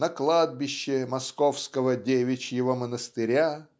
на кладбище Московского Девичьего монастыря